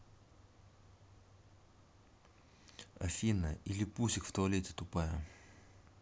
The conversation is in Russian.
афина или пусик в туалете тупая